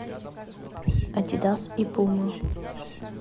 адидас и пума